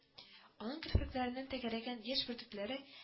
Аның керфекләреннән тәгәрәгән яшь бөртекләре